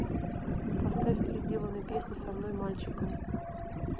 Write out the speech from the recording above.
поставь переделанную песню со мной мальчиком